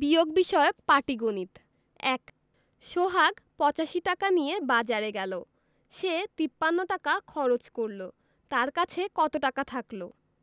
বিয়োগ বিষয়ক পাটিগনিতঃ ১ সোহাগ ৮৫ টাকা নিয়ে বাজারে গেল সে ৫৩ টাকা খরচ করল তার কাছে কত টাকা থাকল